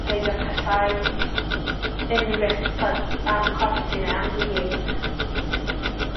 peidio casáu unryw beth t'od am corff ti ne' am dy hun.